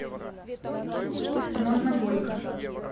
можно бойко